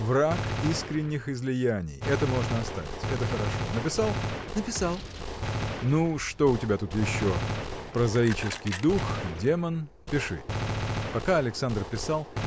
Враг искренних излияний, – это можно оставить: это хорошо. Написал? – Написал. – Ну, что у тебя тут еще? Прозаический дух, демон. Пиши. Пока Александр писал